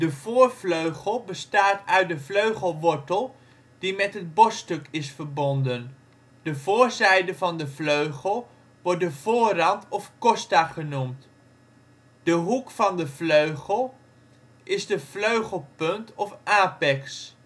voorvleugel bestaat uit de vleugelwortel die met het borststuk is verbonden (A), de voorzijde van de vleugel wordt de voorrand of costa (B) genoemd. De ' hoek ' van de vleugel is de vleugelpunt of apex